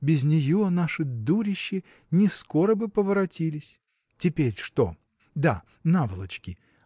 Без нее наши дурищи не скоро бы поворотились. Теперь что? да, наволочки.